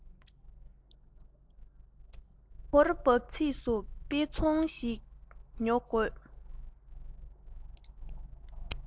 མེ འཁོར འབབ ཚིགས སུ དཔེ ཚོང ཁང ཞིག ཉོ དགོས